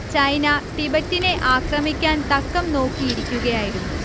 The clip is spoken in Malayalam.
ചൈന ടിബറ്റിനെ ആക്രമിക്കാൻ തക്കം നോക്കിയിരിക്കുകയായിരുന്നു